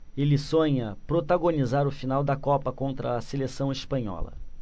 ele sonha protagonizar a final da copa contra a seleção espanhola